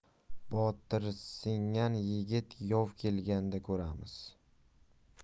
botirsingan yigitni yov kelganda ko'ramiz